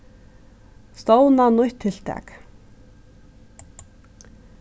stovna nýtt tiltak